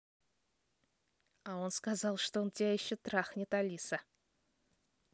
а он сказал что он тебя еще трахнет алиса